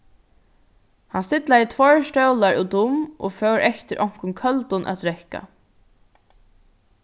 hann stillaði tveir stólar útum og fór eftir onkrum køldum at drekka